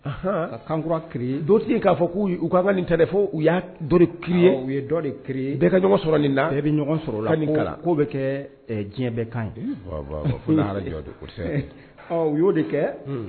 A kankura dotigi k'a fɔ k u k ka ka nin ta fɔ u y'a dɔ ke ye u ye dɔ ke bɛɛ ka ɲɔgɔn sɔrɔ nin la bɛ sɔrɔ la kala k'o bɛ kɛ diɲɛ bɛɛ kan ɲi fo o y'o de kɛ